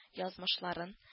Язмышларын